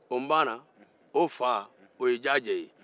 o npaana fa ye ye jajɛ ye